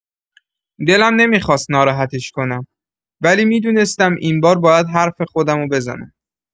دلم نمی‌خواست ناراحتش کنم، ولی می‌دونستم این بار باید حرف خودمو بزنم.